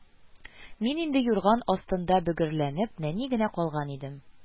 Мин инде юрган астында бөгәрләнеп, нәни генә калган идем